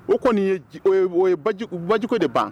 O kɔni ye baj de ban